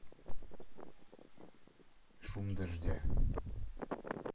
шум дождя